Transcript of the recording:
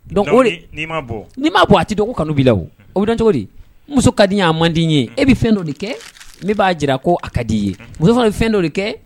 Don ma'i m maa ko a tɛ dɔgɔ kanu bi la o bɛ cogodi muso ka di y'a man di ye e bɛ fɛn dɔ de kɛ ne b'a jira ko a ka di ii ye muso ye fɛn dɔ de kɛ